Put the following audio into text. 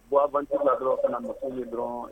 Bu banti la dɔrɔn fana ye dɔrɔn